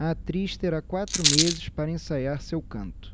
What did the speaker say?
a atriz terá quatro meses para ensaiar seu canto